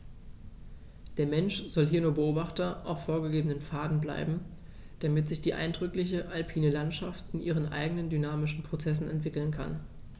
Der Mensch soll hier nur Beobachter auf vorgegebenen Pfaden bleiben, damit sich die eindrückliche alpine Landschaft in ihren eigenen dynamischen Prozessen entwickeln kann.